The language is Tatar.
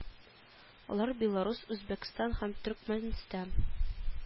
Алар беларус үзбәкстан һәм төрекмәнстан